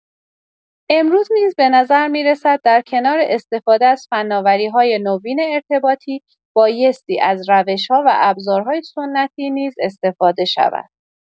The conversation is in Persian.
امروز نیز بنظر می‌رسد در کنار استفاده از فناوری‌های نوین ارتباطی بایستی از روش‌ها و ابزارهای سنتی نیز استفاده شود.